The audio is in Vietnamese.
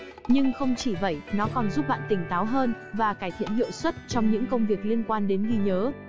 nhưng không chỉ vậy nó còn giúp bạn tỉnh táo hơn và cải thiện hiệu suất trong những công việc liên quan đến ghi nhớ